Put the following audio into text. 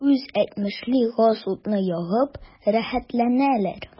Үзе әйтмешли, газ-утны ягып “рәхәтләнәләр”.